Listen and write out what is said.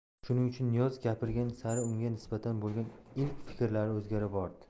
shuning uchun niyoz gapirgan sari unga nisbatan bo'lgan ilk fikrlari o'zgara bordi